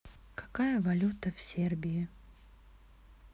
какая валюта в сербии